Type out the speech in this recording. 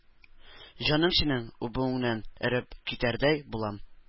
Җаным, синең үбүеңнән эреп китәрдәй булам.